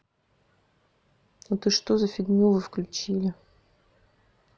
а ты что за фигню вы включили